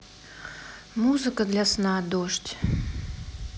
музыка для сна дождь